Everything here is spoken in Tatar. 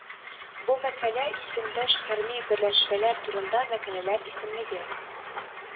Бу мәкалә исемдәш хәрби берләшмәләр турында мәкаләләр исемлеге